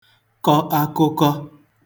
kọ akụkọ